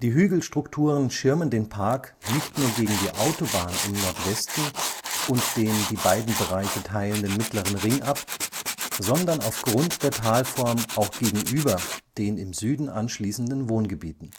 Hügelstrukturen schirmen den Park nicht nur gegen die Autobahn im Nordwesten und den die beiden Bereiche teilenden Mittleren Ring ab, sondern aufgrund der Talform auch gegenüber den im Süden anschließenden Wohngebieten